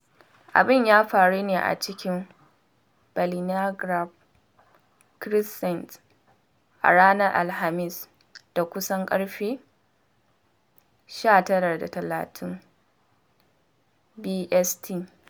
Abin ya faru ne a cikin Ballynagard Crescent a ranar Alhamis da kusan ƙarfe 19:30 BST.